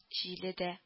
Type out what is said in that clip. Җиле дә